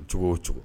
Cogo o cogo